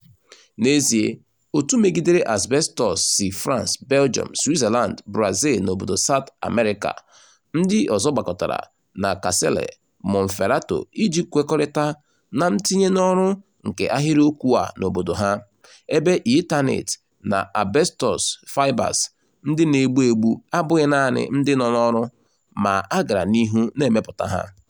N'ezie òtù megidere asbestọs si France, Belgium, Switzerland, Brazil na obodo South America ndị ọzọ gbakọtara na Casale Monferrato iji kwekọrịta na ntinye n'ọrụ nke ahịrịokwu a n'obodo ha, ebe Eternit na asbestọs fibers ndị na-egbu egbu abụghị naanị ndị nọ n'ọrụ ma a gara n'ihu na-emepụta ha.